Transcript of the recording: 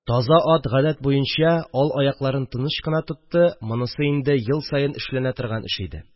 Таза ат, гадәт буенча, ал аякларын тыныч кына тотты, монысы инде ел саен эшләнә торган эш иде